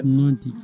noon tigui